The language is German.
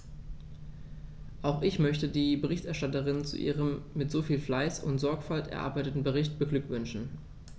Auch ich möchte die Berichterstatterin zu ihrem mit so viel Fleiß und Sorgfalt erarbeiteten Bericht beglückwünschen.